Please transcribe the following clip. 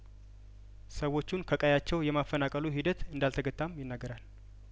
ሰዎቹን ከቀያቸው የማፈናቀሉ ሂደት እንዳል ተገታም ይናገራል